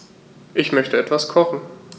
Ich möchte etwas kochen.